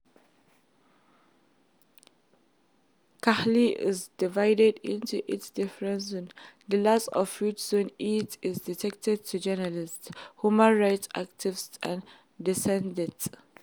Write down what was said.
Kality is divided into eight different zones, the last of which — Zone Eight — is dedicated to journalists, human right activists and dissidents.